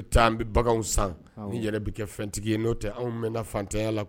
N taa an bɛ bagan san ni yɛrɛ bɛ kɛ fɛntigi ye n'o tɛ anw mɛn fantanya la